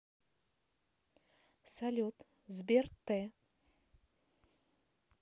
салют сбер т